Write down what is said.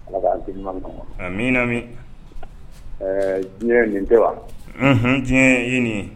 A min minmi ɛɛ diɲɛ nin tɛ wa diɲɛ ye nin